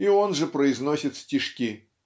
и он же произносит стишки